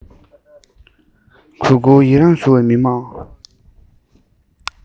གུས བཀུར ཡིད རང ཞུ བའི མི དམངས